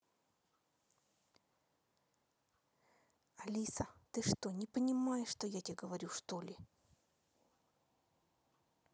алиса ты что не понимаешь что я тебе говорю что ли